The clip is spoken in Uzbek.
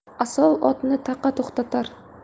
asov otni taqa to'xtatar